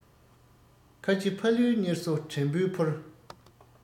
ཁ ཆེ ཕ ལུའི བསྙེལ གསོ དྲན པོས ཕུལ